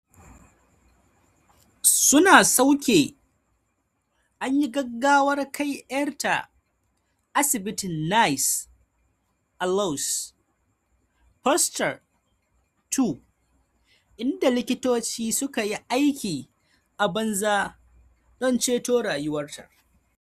Su na sauke an yi gaggawar kai 'yarta asibitin Nice a Louis Pasteur 2, inda likitoci suka yi aiki a banza don ceto rayuwarta.